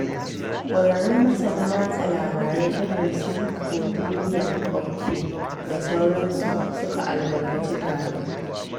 ƙwararrun masana watsa labarai irinsu Cordelia Okpei da sauransu suka albarkaci taron